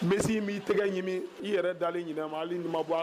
Misi b'i tɛgɛ ɲimi i yɛrɛ dalen ɲin ma hali duman bɔ